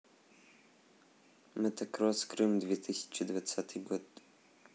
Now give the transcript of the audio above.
мотокросс крым две тысячи двадцатый год